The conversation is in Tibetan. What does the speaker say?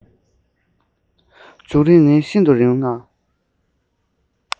བྱུང རིམ ནི ཤིན ཏུ རིང ལ